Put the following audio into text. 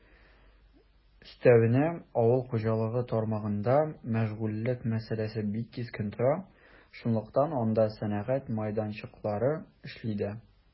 Өстәвенә, авыл хуҗалыгы тармагында мәшгульлек мәсьәләсе бик кискен тора, шунлыктан анда сәнәгать мәйданчыклары эшли дә.